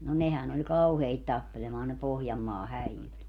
no nehän oli kauheita tappelemaan ne Pohjanmaan häijyt